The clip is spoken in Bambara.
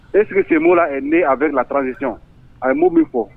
E sigi senmo la n a bɛ lataralisɔn a mun bɛ fɔ